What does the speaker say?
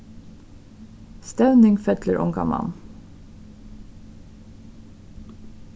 stevning fellir ongan mann